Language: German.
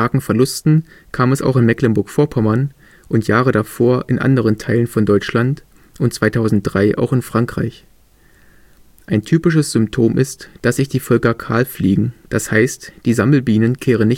Verlusten kam es auch in Mecklenburg-Vorpommern und Jahre davor in anderen Teilen von Deutschland und 2003 auch in Frankreich. Ein typisches Symptom ist, dass sich die Völker kahlfliegen, d. h. die Sammelbienen kehren